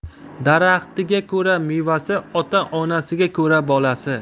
daraxtiga ko'ra mevasi ota onasiga ko'ra bolasi